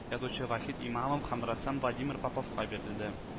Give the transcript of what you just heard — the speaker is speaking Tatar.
Язучы вахит имамов һәм рәссам владимир поповка бирелде